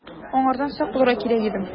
Аңардан сак булырга кирәк иде.